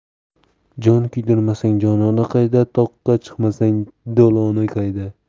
jon kuydirmasang jonona qayda toqqa chiqmasang do'lona qayda